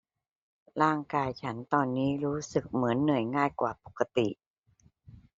ร่างกายฉันตอนนี้รู้สึกเหมือนเหนื่อยง่ายกว่าปกติ